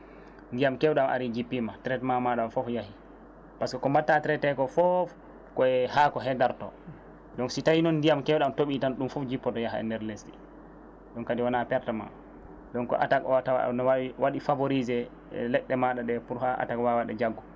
ndiyam kewɗam aari jippima traitement maɗa o foof yaahi par ce que ko mbatta traité ko fofoof koye haako hee darto donc si tawi noon ndiyam kewɗam tooɓi tan ɗum foof jippoto yaaha e dner leydi ɗum kadi wona perte ma donc attaque o tawa ne wawi waɗi favorisé leɗɗe maɗa ɗe pour ha attaque wawaɗe jaggu